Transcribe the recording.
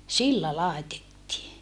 sillä laitettiin